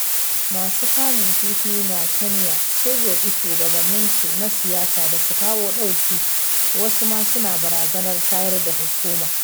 Masu kamun kifi na Kenya sun roƙi shugabanninsu na siyasa da su kawo ɗauki, wasu ma suna barazanar tayar da husuma.